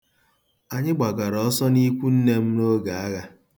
Anyị gbagara ọsọ n'ikwunne m n'oge agha.